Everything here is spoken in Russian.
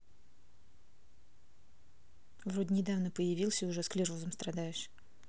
вроде недавно появился уже склерозом страдаешь